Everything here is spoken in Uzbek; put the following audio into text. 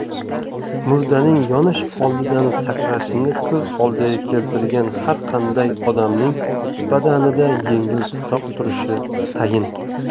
murdaning yonish oldidan sakrashini ko'z oldiga keltirgan har qanday odamning badanida yengil titroq turishi tayin